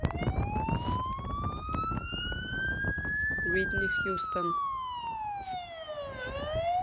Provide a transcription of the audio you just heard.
уитни хьюстон